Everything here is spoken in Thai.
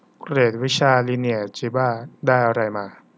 เกรดวิชาลิเนียร์แอลจิบ้าได้อะไรมา